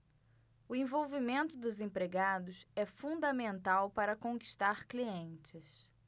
o envolvimento dos empregados é fundamental para conquistar clientes